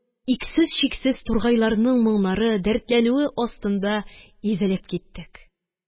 Иксез-чиксез тургайларның моңнары, дәртләнүе астында изелеп киттек.